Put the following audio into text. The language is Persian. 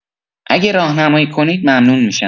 اگه راهنمایی کنید ممنون می‌شم.